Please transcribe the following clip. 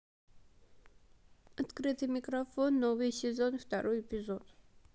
открытый микрофон новый сезон второй эпизод